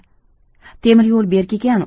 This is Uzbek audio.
temir yo'l berk ekan